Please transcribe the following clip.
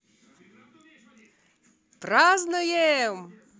празднуем